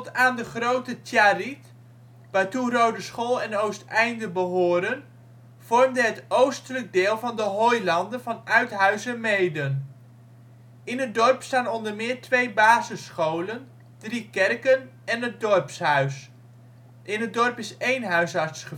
aan de Groote Tjariet, waartoe Roodeschool en Oosteinde behoren, vormde het oostelijk deel van de hooilanden van Uithuizermeeden. In het dorp staan onder meer twee basisscholen, drie kerken en het dorpshuis. In het dorp is één huisarts